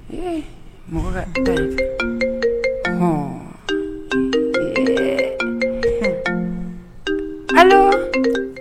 Ɛɛ mɔgɔ deli mɔ